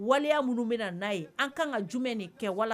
Waleya minnu bɛna na n'a ye an kan ka jumɛn nin kɛ wala